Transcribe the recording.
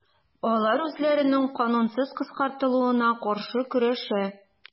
Алар үзләренең канунсыз кыскартылуына каршы көрәшә.